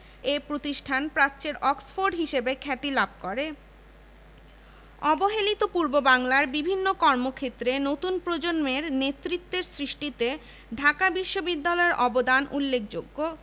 প্রাথমিক বছরগুলিতে ঢাকা বিশ্ববিদ্যালয়ের ছাত্র শিক্ষকগণ কঠোর পরিশ্রমের মাধ্যমে শিক্ষার উচ্চমান বজায় রাখতে সচেষ্ট ছিলেন যার ফলশ্রুতিতে